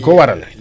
li ko waral